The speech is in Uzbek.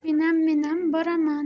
menam menam boraman